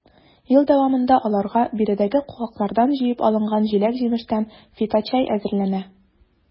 Ел дәвамында аларга биредәге куаклардан җыеп алынган җиләк-җимештән фиточәй әзерләнә.